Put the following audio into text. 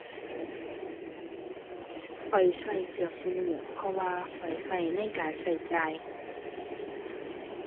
ข้อยใช้เกือบซุมื้อ เพราะว่าข้อยใช้ในการใช้จ่าย